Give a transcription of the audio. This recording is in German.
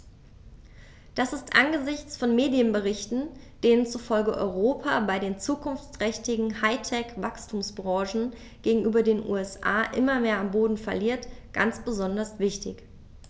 Das ist angesichts von Medienberichten, denen zufolge Europa bei den zukunftsträchtigen High-Tech-Wachstumsbranchen gegenüber den USA immer mehr an Boden verliert, ganz besonders wichtig.